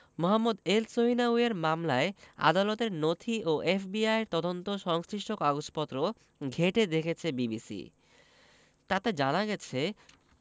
মোহাম্মদ এলসহিনাউয়ির মামলায় আদালতের নথি ও এফবিআইয়ের তদন্ত সংশ্লিষ্ট কাগজপত্র ঘেঁটে দেখেছে বিবিসি তাতে জানা গেছে